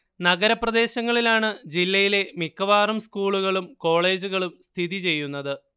നഗരപ്രദേശങ്ങളിലാണ് ജില്ലയിലെ മിക്കവാറും സ്കൂളുകളും കോളേജുകളും സ്ഥിതി ചെയ്യുന്നത്